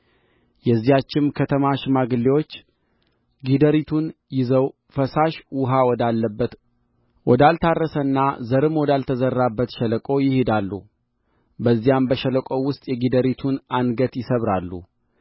የዚያችም ከተማ ሽማግሌዎች ጊደሪቱን ይዘው ፈሳሽ ውኃ ወዳለበት ወዳልታረሰና ዘርም ወዳልተዘራበት ሸለቆ ይሄዳሉ በዚያም በሸለቆው ውስጥ የጊደሪቱን አንገት ይሰብራሉ